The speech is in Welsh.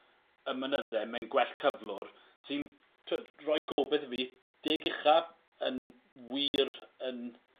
y mynydde mewn gwell cyflwr sy'n t'od roi gobeth i fi deg ucha yn wir yn